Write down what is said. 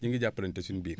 ñu ngi jàppalante sunu biir